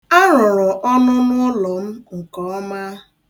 A rụrụ ọnụnụụlọ m nkeọma.